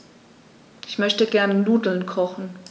Ich möchte gerne Nudeln kochen.